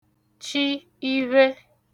chi ivhe